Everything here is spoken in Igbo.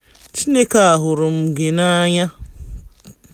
Chineke a hụrụ m gị n'anya!